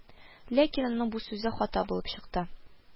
Ләкин аның бу сүзе хата булып чыкты